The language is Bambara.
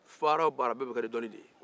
baara o baara a bɛɛ lajɛlen bɛ kɛ ni dɔnni de ye